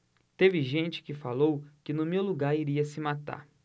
teve gente que falou que no meu lugar iria se matar